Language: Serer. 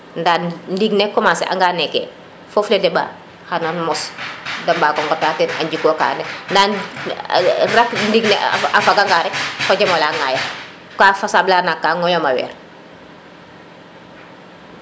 nda ɗiŋne commencer anga neke fof le deɓa xana mos de mbago ŋota teen njeko kaga ndak rek ɗig ne a faga nga rek fojemola ŋaya ka fajaɓ la nan ka ŋoyoma weer